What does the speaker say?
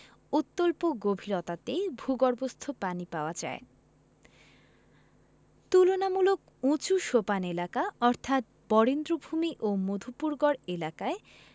অত্যল্প গভীরতাতেই ভূগর্ভস্থ পানি পাওয়া যায় তুলনামূলক উঁচু সোপান এলাকা অর্থাৎ বরেন্দ্রভূমি ও মধুপুরগড় এলাকায়